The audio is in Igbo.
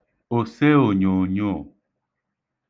òseònyòònyoò